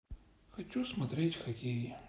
хочу смотреть хоккей